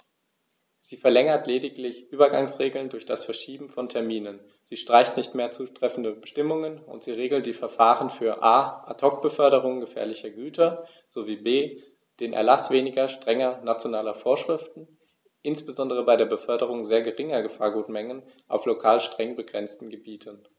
Sie verlängert lediglich Übergangsregeln durch das Verschieben von Terminen, sie streicht nicht mehr zutreffende Bestimmungen, und sie regelt die Verfahren für a) Ad hoc-Beförderungen gefährlicher Güter sowie b) den Erlaß weniger strenger nationaler Vorschriften, insbesondere bei der Beförderung sehr geringer Gefahrgutmengen auf lokal streng begrenzten Gebieten.